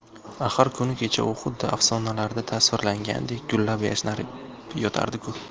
axir kuni kecha u xuddi afsonalarda tasvirlangandek gullab yashnab yotardiku